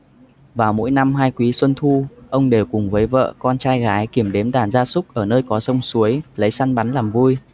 vào mỗi năm hai quý xuân thu ông đều cùng với vợ con trai gái kiểm đếm đàn gia súc ở nơi có sông suối lấy săn bắn làm vui